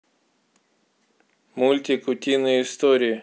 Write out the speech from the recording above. мультик утиные истории